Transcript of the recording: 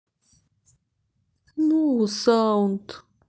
ноу саунд